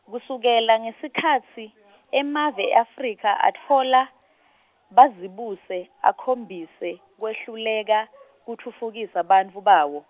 kusukela ngesikhatsi, emave e-Afrika atfola, bazibuse, akhombise, kwehluleka, kutfutfukisa bantfu bawo.